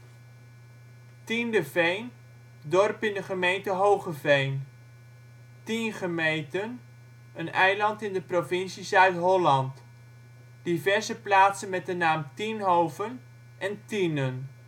Tiendeveen, dorp in de gemeente Hoogeveen Tiengemeten, eiland in de provincie Zuid-Holland diverse plaatsen met de naam Tienhoven Tienen